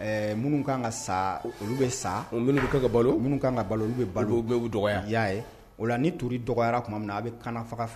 Minnu kan ka sa olu bɛ sa olu minnu kɛ ka balo minnu kan ka balo olu bɛ balo bɛ dɔgɔ y'a ye o la to dɔgɔyara tuma min na a bɛ kaana faga fɛ